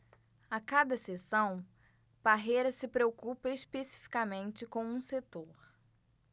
a cada sessão parreira se preocupa especificamente com um setor